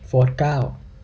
โฟธเก้า